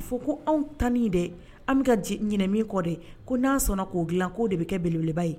Fɔ ko anw ta ni dɛ an bɛ ka ɲ kɔ dɛ ko n' sɔnna k'o dilan k'o de bɛ kɛeleba ye